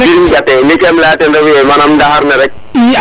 mi kenm leya ten refuye manam ndaxar ne rek